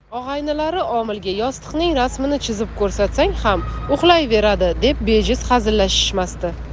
og'aynilari omilga yostiqning rasmini chizib ko'rsatsang ham uxlayveradi deb bejiz hazillashishmasdi